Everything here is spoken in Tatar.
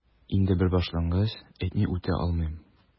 Инде бер башлангач, әйтми үтә алмыйм...